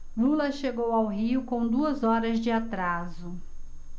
lula chegou ao rio com duas horas de atraso